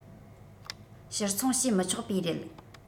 ཕྱིར འཚོང བྱས མི ཆོག པའི རེད